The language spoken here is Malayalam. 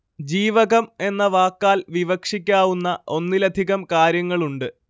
ജീവകം എന്ന വാക്കാല്‍ വിവക്ഷിക്കാവുന്ന ഒന്നിലധികം കാര്യങ്ങളുണ്ട്